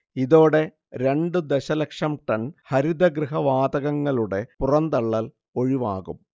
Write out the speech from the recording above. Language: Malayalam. ഇതോടെ രണ്ടു ദശലക്ഷം ടൺ ഹരിതഗൃഹ വാതകങ്ങളുടെ പുറന്തള്ളൽ ഒഴിവാകും